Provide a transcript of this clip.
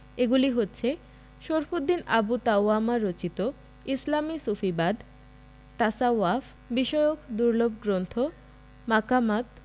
এগুলি হচ্ছে শরফুদ্দীন আবু তাওয়ামা রচিত ইসলামি সুফিবাদ তাছাওয়াফ বিষয়ক দুর্লভ গ্রন্থ মাকামাত